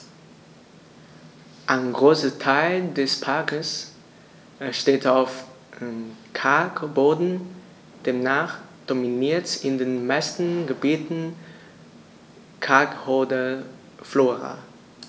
Ein Großteil des Parks steht auf Kalkboden, demnach dominiert in den meisten Gebieten kalkholde Flora.